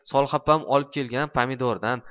solxapam olib kelgan pomidordan